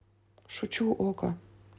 шучу око